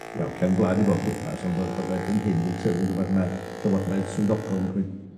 wel cefn gwlad i bob pwrpas, ond bo' bod o erbyn hyn 'di tyfu'n rwbeth ma' llywodraeth swyddogol yn cymyd